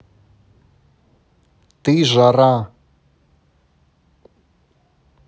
ты жара